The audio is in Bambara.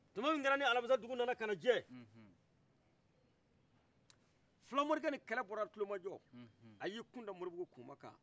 tuma min kɛra ni alamisa dugu nana kana jɛ fila morikɛ ni kɛlɛ bɔra kulomajɔ ay'i kunda mɔribugu kumaka